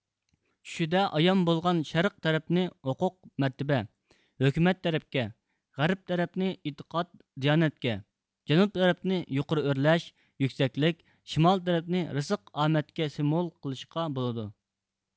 چۈشىدە ئايان بولغان شەرق تەرەپنى ھوقۇق مەرتىبە ھۆكۈمەت تەرەپكە غەرىپ تەرەپنى ئىتىقاد دىيانەتكە جەنۇپ تەرەپنى يۇقىرى ئۆرلەش يۇكسەكلىك شىمال تەرەپنى رىسىق ئامەتكە سېموۋول قىلىشقا بولىدۇ